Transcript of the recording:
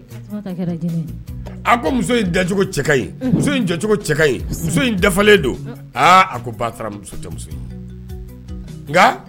A ko muso in dacogo cɛ ka ɲi, muso in jɔcogo cɛ ka ɲi, muso in dafalen don, aa a ko bataramuso tɛ muso in ye, nka